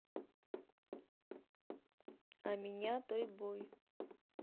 а меня тойбой